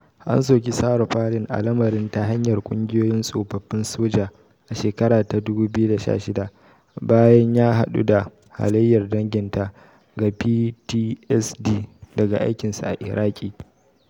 An soki Sarah Palin a lamarin ta hanyar kungiyoyin tsofaffin soja a shekara ta 2016 bayan ya haɗu da halayyar danginta ga PTSD daga aikinsa a Iraki.